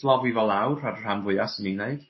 Slofi fo lawr ar y rhan fwya swn i'n neud.